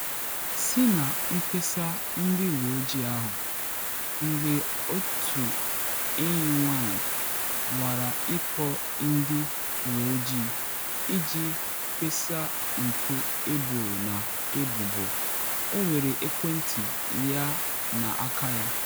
Site na mkpesa ndị uwe ojii ahụ, mgbe otu enyi nwanyị nwara ịkpọ ndị uwe ojii iji kpesa mpụ eboro na ebubo, ọ were ekwentị ya n’aka ya.